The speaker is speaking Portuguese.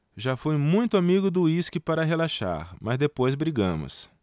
já fui muito amigo do uísque para relaxar mas depois brigamos